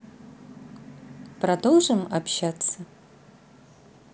продолжим общаться